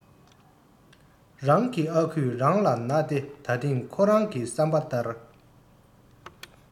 རང གི ཨ ཁུས རང ལ ན ཏེ ད ཐེངས ཁོ རང གི བསམ པ ལྟར